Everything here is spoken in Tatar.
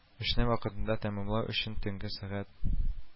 Эшне вакытында тәмамлау өчен төнге сәгать